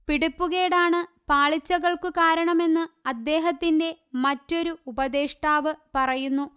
പിടിപ്പുകേടാണ് പാളിച്ചകൾക്കു കാരണമെന്ന് അദ്ദേഹത്തിന്റെ മറ്റൊരു ഉപദേഷ്ടാവ് പറയുന്നു